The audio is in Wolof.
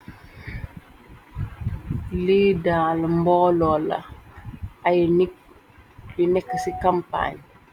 Lii daal mboolo la ay nit yu nekke ci champagne.